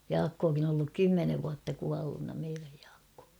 Jaakkokin on ollut kymmenen vuotta kuolleena meidän Jaakko